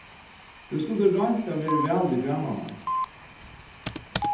tú skuldi roynt at verið væl við grannarnar